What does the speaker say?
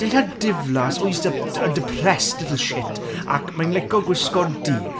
Dillad diflas oh, he's de- a depressed little shit, ac mae'n lico gwisgo du.